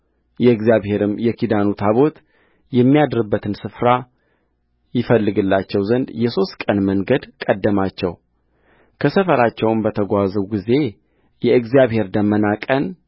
የእግዚአብሔርም የኪዳኑ ታቦት የሚያድርበትን ስፍራ ይፈልግላቸው ዘንድ የሦስት ቀን መንገድ ቀደማቸውከሰፈራቸውም በተጓዙ ጊዜ የእግዚአብሔር ደመና ቀን